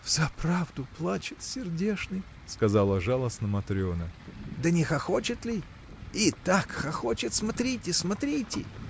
— Взаправду плачет, сердечный! — сказала жалостно Матрена. — Да не хохочет ли? И так хохочет! Смотрите, смотрите!